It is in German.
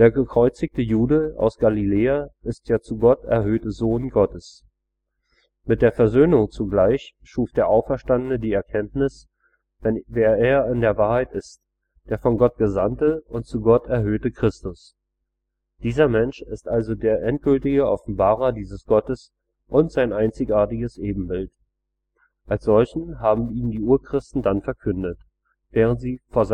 gekreuzigte Jude aus Galiläa ist der zu Gott erhöhte „ Sohn “Gottes Mit der Versöhnung zugleich schuf der Auferstandene die Erkenntnis, wer er in Wahrheit ist: der von Gott gesandte und zu Gott erhöhte Christus. Dieser Mensch ist also der endgültige Offenbarer dieses Gottes und sein einzigartiges Ebenbild. Als solchen haben ihn die Urchristen dann verkündet, während sie vor